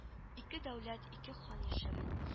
Ике дәүләттә ике хан яшәгән